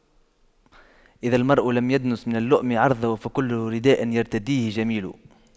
إذا المرء لم يدنس من اللؤم عرضه فكل رداء يرتديه جميل